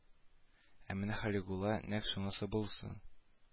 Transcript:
Ә менә халигуллага нәкъ шунысы булсын